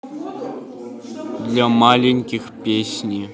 для маленьких песни